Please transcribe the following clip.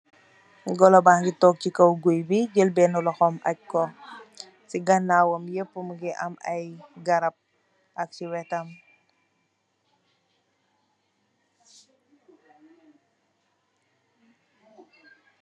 Golu bage tonke se kaw goye be jel bene lohom ajj ku se ganawam yepu muge am aye garab ak se wetam.